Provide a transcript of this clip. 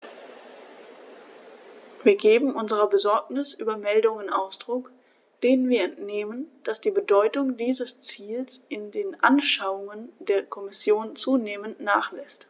Wir geben unserer Besorgnis über Meldungen Ausdruck, denen wir entnehmen, dass die Bedeutung dieses Ziels in den Anschauungen der Kommission zunehmend nachlässt.